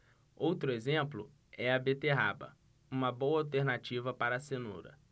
outro exemplo é a beterraba uma boa alternativa para a cenoura